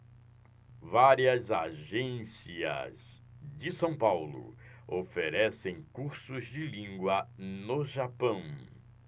várias agências de são paulo oferecem cursos de língua no japão